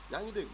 yaa ngi dégg